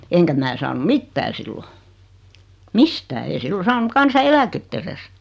enkä minä saanut mitään silloin mistään ei silloin saanut kansaneläkettä edes